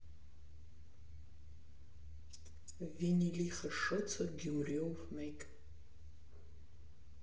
Վինիլի խշշոցը Գյումրիով մեկ։